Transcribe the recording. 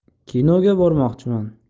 kinoga bormoqchiman